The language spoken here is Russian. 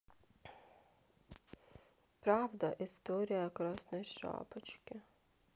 правдивая история красной шапки